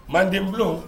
Manden bulon